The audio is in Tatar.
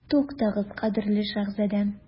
Туктагыз, кадерле шаһзадәм.